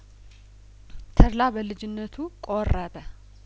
ተድላ በልጅነቱ ቆረበ